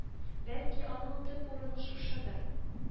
Бәлки, аның төп урыны шушыдыр